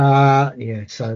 A ie so.